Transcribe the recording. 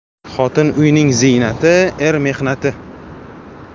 xotin uyning ziynati er mehnati